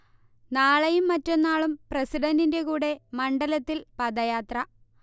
നാളെയും മറ്റന്നാളും പ്രസിഡന്റിന്റെ കൂടെ മണ്ഡലത്തിൽ പദയാത്ര